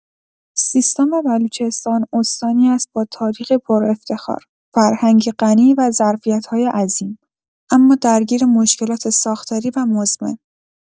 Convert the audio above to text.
سیستان و بلوچستان استانی است با تاریخ پرافتخار، فرهنگ غنی و ظرفیت‌های عظیم، اما درگیر مشکلات ساختاری و مزمن.